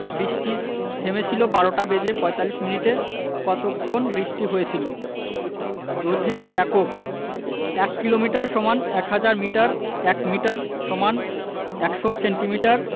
বৃষ্টি থেমেছিল দুপুর ১২টা বেজে ৪৫ মিনিটে কতক্ষণ বৃষ্টি হয়েছিল দৈর্ঘ্যের এককঃ ১ কিলোমিটার = ১০০০ মিটার ১ মিটার = ১০০ সেন্টিমিটার